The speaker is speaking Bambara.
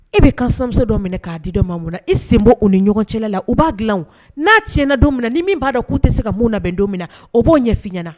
E bɛ kansinamuso dɔ minɛ k'a di dɔ ma mun na? I sen bɔ o ni ɲɔgɔn cɛ la la, o b'a dilan o.N'a cɛna don min na, ni min b'a dɔn k'u tɛ se ka mun labɛn don min na o b'o ɲɛ fɔ i ɲɛna